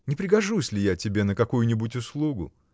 Не пригожусь ли я тебе на какую-нибудь услугу?